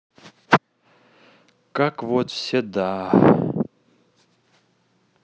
как вот все да